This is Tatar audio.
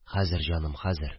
Хәзер, җаным, хәзер